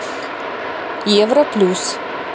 евро плюс